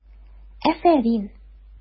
Афәрин!